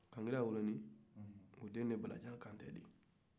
kankura den de ye balajan kante ye